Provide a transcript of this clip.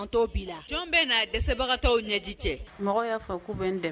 Jɔn bɛ na dɛsɛbagatɔ ɲɛji cɛ mɔgɔ'a dɛ